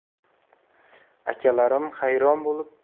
akalarim hayron bo'lib